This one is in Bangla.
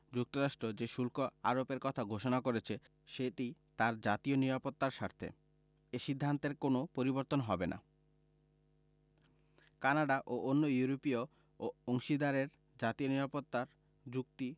যুক্তরাষ্ট্র যে শুল্ক আরোপের কথা ঘোষণা করেছে সেটি তার জাতীয় নিরাপত্তার স্বার্থে এ সিদ্ধান্তের কোনো পরিবর্তন হবে না কানাডা ও অন্য ইউরোপীয় অংশীদারেরা জাতীয় নিরাপত্তার যুক্তি